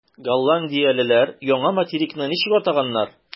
Голландиялеләр яңа материкны ничек атаганнар?